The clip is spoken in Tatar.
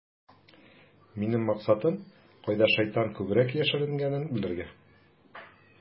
Минем максатым - кайда шайтан күбрәк яшеренгәнен белергә.